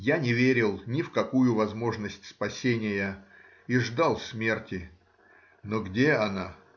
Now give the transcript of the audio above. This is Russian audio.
Я не верил ни в какую возможность спасения и ждал смерти; но где она?